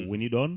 woni ɗon